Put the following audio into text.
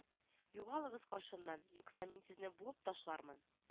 Югалыгыз каршымнан юкса мин сезне буып ташлармын